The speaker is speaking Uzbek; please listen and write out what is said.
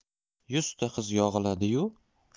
yuzta qiz yog'iladi yu